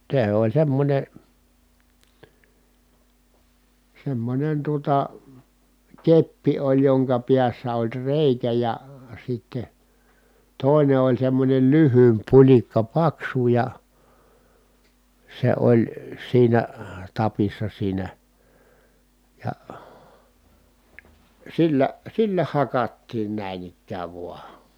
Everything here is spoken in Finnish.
se oli semmoinen semmoinen tuota keppi oli jonka päässä oli reikä ja sitten toinen oli semmoinen lyhyempi pulikka paksu ja se oli siinä tapissa siinä ja sillä sillä hakattiin näin ikään vain